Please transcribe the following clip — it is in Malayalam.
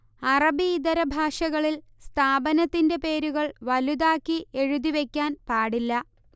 അറബിയിതര ഭാഷകളിൽ സ്ഥാപനത്തിന്റെ പേരുകൾ വലുതാക്കി എഴുതി വെക്കാൻ പാടില്ല